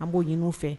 An b'o ɲini' fɛ